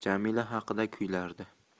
jamila haqida kuylardi